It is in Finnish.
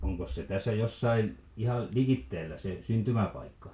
onkos se tässä jossakin ihan likellä se syntymäpaikka